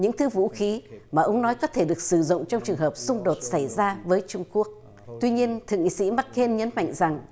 những thứ vũ khí mà ông nói có thể được sử dụng trong trường hợp xung đột xảy ra với trung quốc tuy nhiên thượng nghị sĩ mắc ken nhấn mạnh rằng